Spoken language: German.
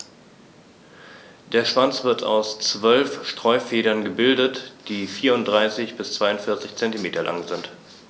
Der Schwanz wird aus 12 Steuerfedern gebildet, die 34 bis 42 cm lang sind.